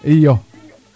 iyo